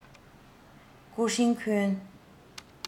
ཀུའོ ཧྲེང ཁུན